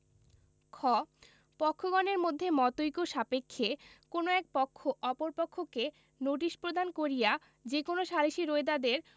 খ পক্ষগণের মধ্যে মতৈক্য সাপেক্ষে কোন এক পক্ষ অপর পক্ষকে নোটিশ প্রদান করিয়া যে কোন সালিসী রোয়েদাদের